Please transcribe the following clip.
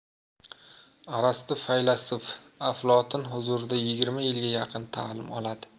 arastu faylasuf aflotun huzurida yigirma yilga yaqin ta'lim oladi